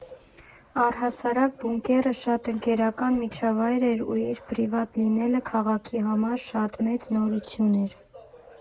Առհասարակ «Բունկերը» շատ ընկերական միջավայր էր ու իր պրիվատ լինելը քաղաքի համար շատ մեծ նորություն էր։